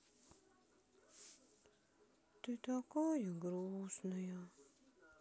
ты такая грустная